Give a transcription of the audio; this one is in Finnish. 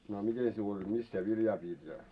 no a miten sinulla oli missä sinä viljaa pidit ja